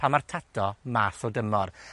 pan ma'r tato mas o dymor.